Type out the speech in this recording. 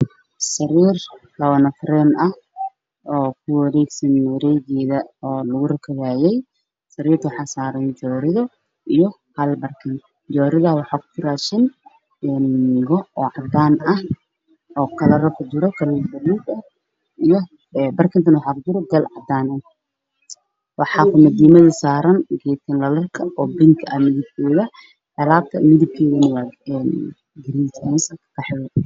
Halkaan waxaa ka muuqdo sariir midabkeedu yahay guduud jooriga saaran uu yahay cadays iyo madaw waxaan saaran barkin dhulkana waa cadaan